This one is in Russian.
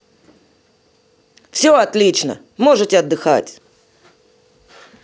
все отлично можете отдыхать